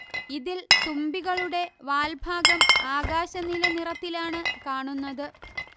ഇതിൽ തുമ്പികളുടെ വാൽ ഭാഗം ആകാശനീല നിറത്തിലാണ് കാണുന്നത്